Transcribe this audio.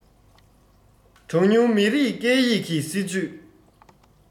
གྲངས ཉུང མི རིགས སྐད ཡིག གི སྲིད ཇུས